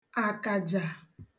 àkàjà